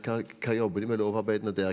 k hva jobber de med lovarbeidene der?